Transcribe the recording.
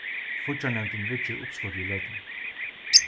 fíggjarnevndin viðger uppskotið í løtuni